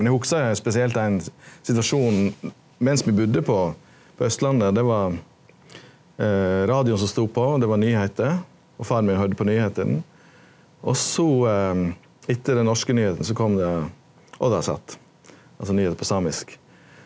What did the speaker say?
men eg hugsar spesielt ein situasjon mens vi budde på på Austlandet det var radioen som sto på det var nyheiter og far mi høyrde på nyheitene og so etter dei norske nyheitene so kom det Oddasat altso nyheitene på samisk.